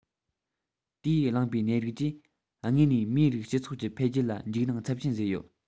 དེས བསླངས པའི ནད རིགས ཀྱིས དངོས གནས མིའི རིགས སྤྱི ཚོགས ཀྱི འཕེལ རྒྱས ལ འཇིགས སྣང ཚབས ཆེན བཟོས ཡོད